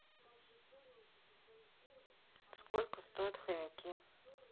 сколько стоят хомяки